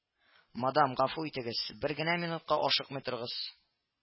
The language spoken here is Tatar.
Мадам, гафу итегез, бер генә минутка ашыкмый торыгыз